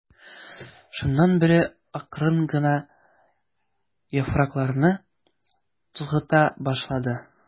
Шуннан Бүре акрын гына яфракларны тузгыта башлады.